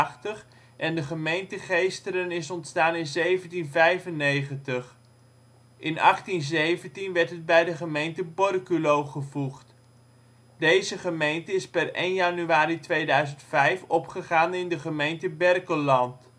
988 en de gemeente Geesteren is ontstaan in 1795. In 1817 werd het bij de gemeente Borculo gevoegd. Deze gemeente is per 1 januari 2005 opgegaan in de gemeente Berkelland